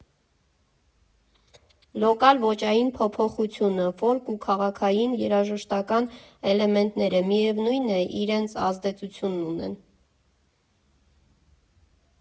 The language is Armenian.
Լոկալ ոճային փոփոխությունը, ֆոլք ու քաղաքային երաժշտական էլեմենտները, միևնույն է, իրենց ազդեցությունն ունեն։